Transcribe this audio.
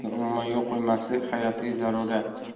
umuman yo'l qo'ymaslik hayotiy zarurat